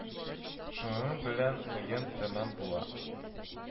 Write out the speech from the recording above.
Шуның белән уен тәмам була